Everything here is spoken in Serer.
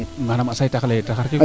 manaam a saytaxa le taxar ke